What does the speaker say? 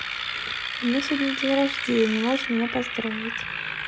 а у меня сегодня день рождения можешь меня поздравить